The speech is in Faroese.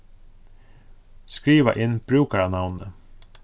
skriva inn brúkaranavnið